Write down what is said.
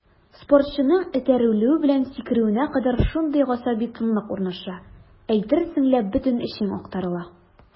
Спортчының этәрелүе белән сикерүенә кадәр шундый гасаби тынлык урнаша, әйтерсең лә бөтен эчең актарыла.